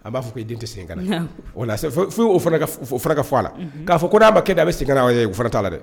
A b'a fɔ' den tɛ sen o ka fɔ a la k'a fɔ ko'a ma kɛ a bɛ sen ye'a la dɛ